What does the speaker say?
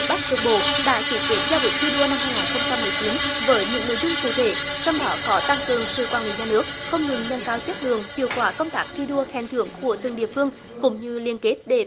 bắc trung bộ đã ký kết giao ước thi đua năm hai ngàn không trăm mười chín với những nội dung cụ thể trong đó có tăng cường sự quản lý nhà nước không ngừng nâng cao chất lượng hiệu quả công tác thi đua khen thưởng của từng địa phương cũng như liên kết để